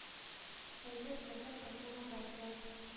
Кайтып керде кызның атасы.